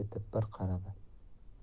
etib bir qaradi